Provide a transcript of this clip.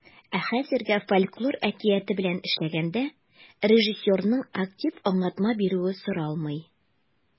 Ә хәзергә фольклор әкияте белән эшләгәндә режиссерның актив аңлатма бирүе соралмый.